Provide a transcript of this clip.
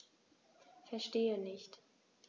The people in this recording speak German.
Verstehe nicht.